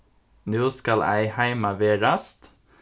nú skal ei heima verast